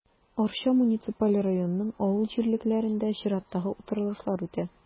Арча муниципаль районының авыл җирлекләрендә чираттагы утырышлар үтә.